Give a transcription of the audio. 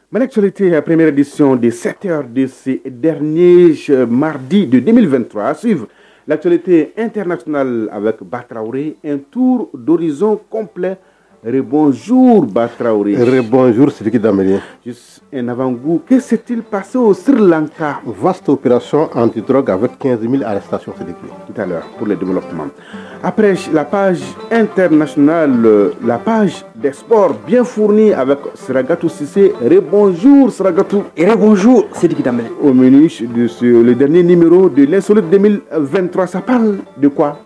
Mɛretolite premee desi de sete de sed maridi dondp2 dɔrɔnsi latlirete nters la bakraraw ye ntu donz kɔnp re bɔnzo batarraw re bɔnzo sirisiri da nabanbu kisɛtiri pas siri la kafasso prasi an dɔrɔn kap kɛnzep alizsatisirikita po don dɔ tuma na apre lapz etersina lapz dep bifur a bɛ sirakatusise re bɔnz sarakattu repzo sdida oylid ni de sod2ttasap de kuwa